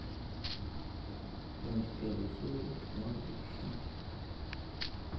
лунтик первые серии может быть еще